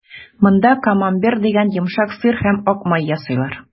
Монда «Камамбер» дигән йомшак сыр һәм ак май ясыйлар.